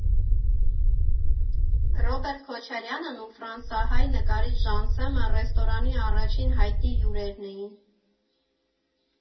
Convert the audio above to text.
Ռոբերտ Քոչարյանն ու ֆրանսահայ նկարիչ Ժանսեմը ռեստորանի առաջին հայտնի հյուրերն էին։